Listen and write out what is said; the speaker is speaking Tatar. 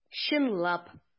Чынлап!